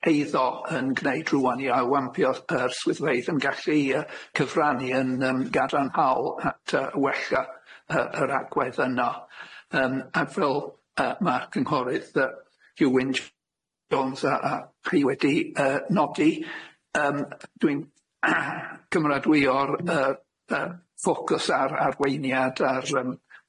eiddo yn gwneud rŵan i aiwampio yr swyddfeydd yn gallu yy cyfrannu yn yym gadarnhaol at yy wella yy yr agwedd yna yym ac fel yy ma'r cynghorydd yy Hugh Wyn Jones a a chi wedi yy nodi yym dwi'n cymeradwyo'r yy yy ffocws ar arweiniad ar yym hwn.